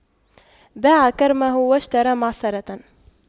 باع كرمه واشترى معصرة